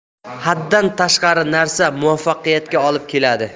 faqat haddan tashqari narsa muvaffaqiyatga olib keladi